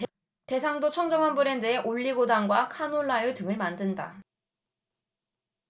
대상도 청정원 브랜드의 올리고당과 카놀라유 등을 만든다